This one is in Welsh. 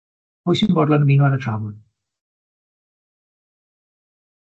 Pwy sy'n bodlon ymuno yn y trafod?